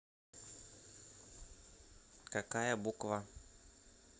какая буква